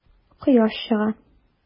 Кояш чыга.